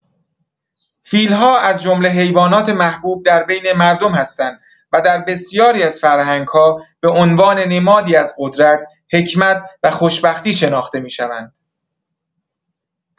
فیل‌ها از جمله حیوانات محبوب در بین مردم هستند و در بسیاری از فرهنگ‌ها به عنوان نمادی از قدرت، حکمت و خوشبختی شناخته می‌شوند.